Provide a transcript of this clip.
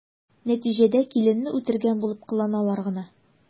Нәтиҗәдә киленне үтергән булып кыланалар гына.